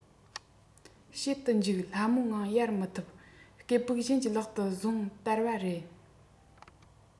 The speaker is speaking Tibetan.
བྱེད དུ འཇུག སླ མོས ངང ཡལ མི ཐུབ སྐད སྦུག གཞན གྱི ལག ཏུ བཟུང དར བ རེད